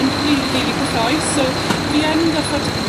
yn rili rili cyffrous so fi yn gorffod